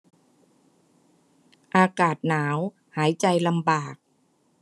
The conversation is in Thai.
อากาศหนาวหายใจลำบาก